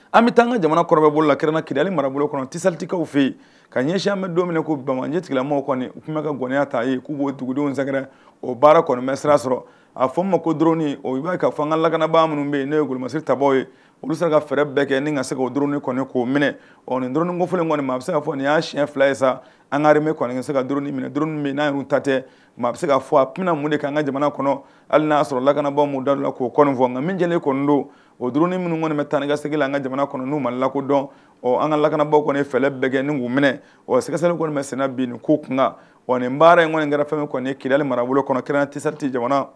An bɛ an ka jamana kɔrɔbɛ bolo la kirana kili mara kɔnɔ tisɛtikɛlaw fɛ yen ka ɲɛsinyamɛ don minɛ ko ban ɲɛ kilama kɔni u tun bɛ ka gya ta yen k'u'o dugudenw sɛgɛrɛ o baara kɔnɔ bɛ sira sɔrɔ a fɔ'o ma ko d o b'a ka an ka lakanabaa minnu bɛ yen n' ye ŋ kumasi ta ye olu sera ka fɛɛrɛ bɛɛ kɛ ni ka se ka o d kɔni'o minɛ ɔ nin din ko kunnafoni kɔni maa a bɛ se ka fɔ nin y'a siɲɛyɛn fila ye sa ankariree kɔnise se ka duin min n'a ye tatɛ nka a bɛ se ka fɔ a mununi k ka an ka jamana kɔnɔ hali n'a sɔrɔ lakanabɔ minnu da la k'o fɔ nka min jeninen kɔni don o du minnu kɔni bɛ tani kasigi la an ka jamana kɔnɔ'u mali la ko dɔn ɔ an ka lakanabɔ kɔni fɛlɛ bɛ kɛ' minɛ o sɛgɛsɛ kɔni bɛ sɛnɛ bin ko kunkan wa nin baara in ŋ in kɛra fɛn kɔni kili mara kɔnɔ kirakisɛsɛreti jamana